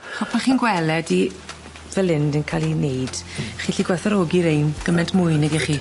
Ch'o' pan chi'n gwel' e 'di fel 'yn d- yn ca'l 'i neud chi gallu gwerthfawrogi rein gymaint mwy nag 'ych chi.